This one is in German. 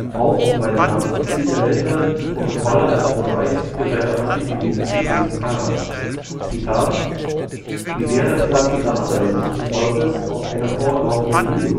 Auch in Mein Kampf zieht Hitler die Protokolle als Beweis für seine antisemitischen Thesen heran: „ Wie sehr das ganze Dasein dieses Volkes auf einer fortlaufenden Lüge